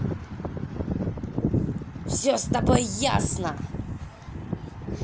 все с тобой ясно